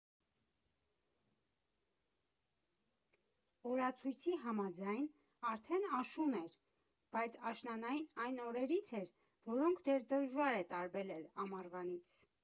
Օրացույցի համաձայն՝ արդեն աշուն էր, բայց աշնանային այն օրերից էր, որոնք դեռ դժվար է տարբերել ամառվանից։